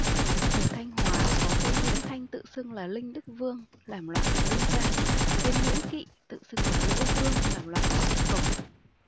ở thanh hóa có tên nguyễn thanh tự xưng là linh đức vương làm loạn ở lương giang tên nguyễn kị tự xưng là lỗ vương làm loạn ở nông cống